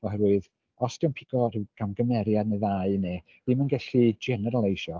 Oherwydd os 'di o'n pigo rhyw gamgymeriad neu ddau neu ddim yn gallu jeneraleisio.